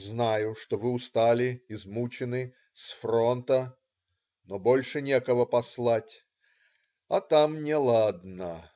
Знаю, что вы устали, измучены, с фронта,- но больше некого послать, а там неладно".